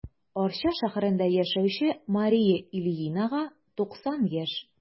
Арча шәһәрендә яшәүче Мария Ильинага 90 яшь.